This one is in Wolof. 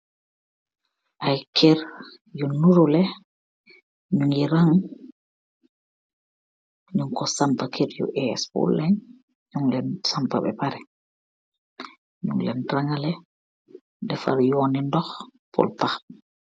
Iiiy keurr yu ndurohleh, nungi rang, njung kor sampah keurr yu ehss pul len, njung len sampah beh pareh, njung len raahngaleh, defarr yoni ndokh pur pakh.